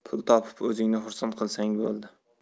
pul topib o'zingni xursand qilsang bo'ldi